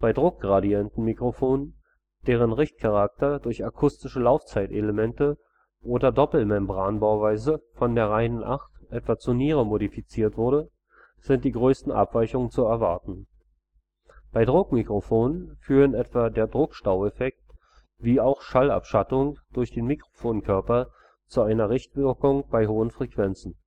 Druckgradientenmikrofonen, deren Richtcharakter durch akustische Laufzeitelemente oder Doppelmembranbauweise von der reinen Acht etwa zur Niere modifiziert wurde, sind die größten Abweichungen zu erwarten. Bei Druckmikrofonen führen etwa der Druckstaueffekt wie auch Schallabschattung durch den Mikrofonkörper zu einer Richtwirkung bei hohen Frequenzen